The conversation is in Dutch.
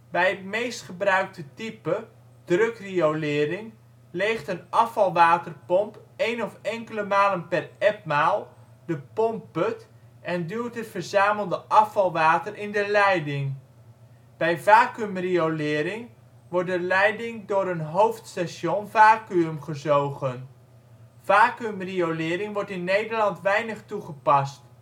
Bij het meestgebruikte type, drukriolering, leegt een afvalwaterpomp een of enkele malen per etmaal de pompput en duwt het verzamelde afvalwater in de leiding. Bij vacuümriolering wordt de leiding door een hoofdstation vacuüm gezogen. Vacuümriolering wordt in Nederland weinig toegepast